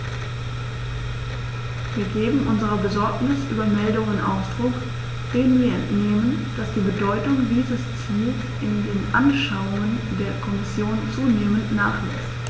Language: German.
Wir geben unserer Besorgnis über Meldungen Ausdruck, denen wir entnehmen, dass die Bedeutung dieses Ziels in den Anschauungen der Kommission zunehmend nachlässt.